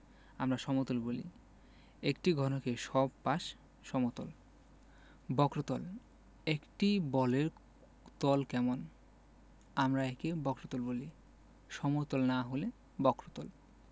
আমরা সমতল বলি একটি ঘনকের সব পাশ সমতল বক্রতলঃ একটি বলের তল কেমন আমরা একে বক্রতল বলি সমতল না হলে বক্রতল